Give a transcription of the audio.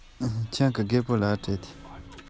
སྐྱོ སྣང གིས ང ལ བལྟས བྱུང